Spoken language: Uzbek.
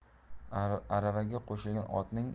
aravaga qo'shilgan otning egari